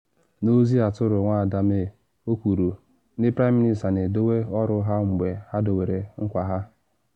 N’ozi atụrụ Nwada May, o kwuru: ‘Ndị praịm minista na edowe ọrụ ha mgbe ha dowere nkwa ha.’